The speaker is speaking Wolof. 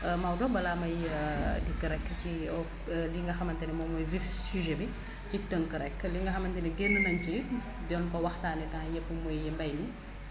Maodo balaa may dikk rekk ci li nga xamante ne moom mooy vif sujet bi cib tënk rekk li nga xamante ni génn nañ ci doon ko waxtaanee temps yépp muy mbay mi